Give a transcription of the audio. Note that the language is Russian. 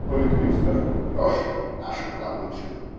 А литвин скажет: – Врешь, наша куда лучше!